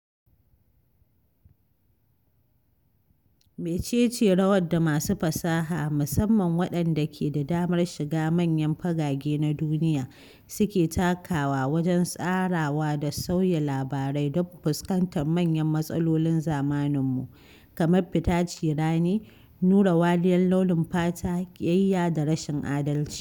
Mecece rawar da masu fasaha, musamman waɗanda ke da damar shiga manyan fagage na duniya, suke takawa wajen tsarawa da sauya labarai don fuskantar manyan matsalolin zamaninmu, kamar fita cirani, nuna wariyar launin fata, ƙiyayya da rashin adalci?